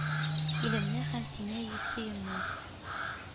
Илемне һәм сине сөюемне